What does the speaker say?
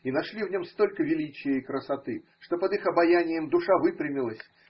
и нашли в нем столько величия и красоты, что под их обаянием душа выпрямилась.